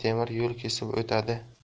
temir yo'l kesib o'tadi